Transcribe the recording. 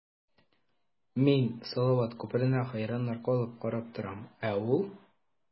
Мин салават күперенә хәйраннар калып карап торам, ә ул...